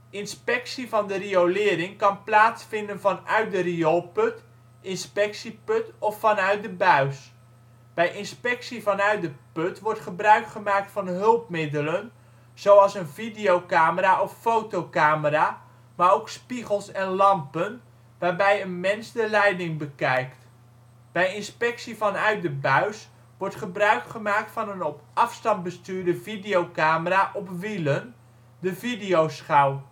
Inspectie van de riolering kan plaatsvinden vanuit de rioolput, inspectieput of vanuit de buis. Bij inspectie vanuit de put wordt gebruikgemaakt van hulpmiddelen zoals een videocamera of fotocamera maar ook spiegels en lampen waarbij een mens de leiding bekijkt. Bij inspectie vanuit de buis wordt gebruikgemaakt van een op afstand bestuurde videocamera op wielen, de videoschouw